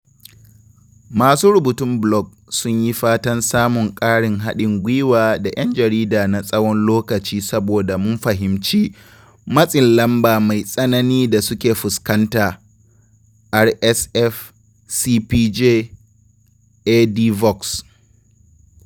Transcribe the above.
Masu rubutun blog sun yi fatan samun ƙarin haɗin gwiwa da ‘yan jarida na tsawon lokaci saboda mun fahimci matsin lamba mai tsanani da suke fuskanta (RSF, CPJ, Advox).